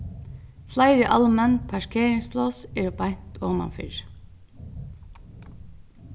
fleiri almenn parkeringspláss eru beint omanfyri